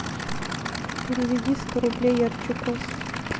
переведи сто рублей арчукос